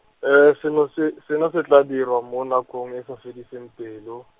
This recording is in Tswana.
seno se, seno se tla dirwa mo nakong e e safediseng pelo.